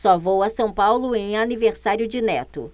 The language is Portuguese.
só vou a são paulo em aniversário de neto